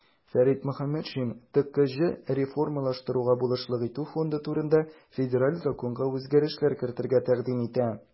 Фәрит Мөхәммәтшин "ТКҖ реформалаштыруга булышлык итү фонды турында" Федераль законга үзгәрешләр кертергә тәкъдим итә.